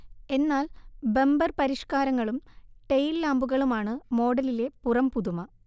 എന്നാൽ ബമ്പർ പരിഷ്കാരങ്ങളും ടെയിൽ ലാമ്പുകളുമാണ് മോഡലിലെ പുറംപുതുമ